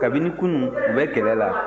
kabini kunun u bɛ kɛlɛ la